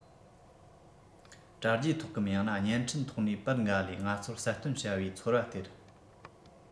དྲ རྒྱའི ཐོག གམ ཡང ན བརྙན འཕྲིན ཐོག ནས པར འགའ ལས ང ཚོར གསལ སྟོན བྱ པའི ཚོར བ སྟེར